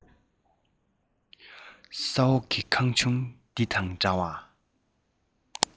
ས འོག གི ཁང ཆུང འདི དང འདྲ བ